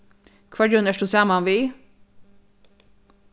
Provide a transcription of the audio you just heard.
hvørjum ert tú saman við